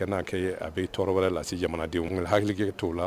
Ka n'a kɛ a bɛ tɔɔrɔ wɛrɛ lase jamanadenw hakilikege t' la